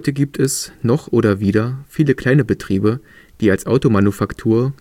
gibt es – noch oder wieder – viele kleine Betriebe, die als Automanufaktur